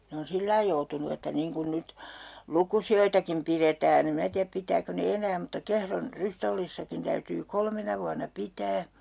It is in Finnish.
ne on sillä lailla joutunut että niin kuin nyt lukusiakin pidetään en minä tiedä pitääkö ne enää mutta Kehron Rystollissakin täytyy kolmena vuonna pitää